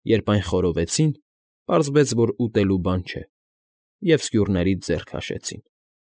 Երբ այն խորովեցին, պարզվեց որ ուտելու բան չէ, և սկյուռներից ձեռ քաշեցին։